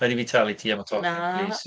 Rhaid i fi talu ti am y tocyn... Na ...plis.